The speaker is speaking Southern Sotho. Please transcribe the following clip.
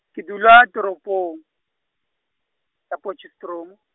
ke dula toropong, ya Potchefstroom.